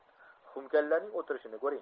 xumkallaning o'tirishini ko'ring